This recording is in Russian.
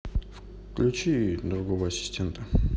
включи другого ассистента